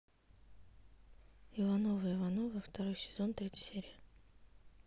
ивановы ивановы второй сезон третья серия